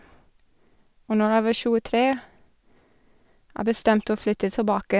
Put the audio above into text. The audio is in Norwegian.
Og når jeg var tjuetre, jeg bestemte å flytte tilbake.